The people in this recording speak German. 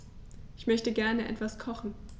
Ich möchte gerne etwas kochen.